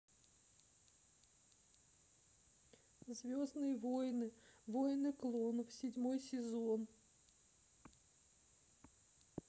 звездные войны войны клонов седьмой сезон